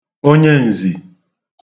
onye ǹzhì